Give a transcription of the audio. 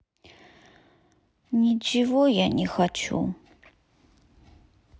ничего я не хочу